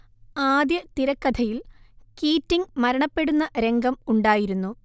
ആദ്യ തിരക്കഥയിൽ കീറ്റിംഗ് മരണപ്പെടുന്ന രംഗം ഉണ്ടായിരുന്നു